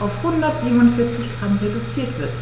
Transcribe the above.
auf 147 g reduziert wird.